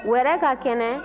wɛrɛ ka kɛnɛ